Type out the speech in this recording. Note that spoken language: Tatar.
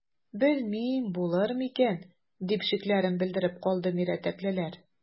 Белмим, булыр микән,– дип шикләрен белдереп калды мирәтәклеләр.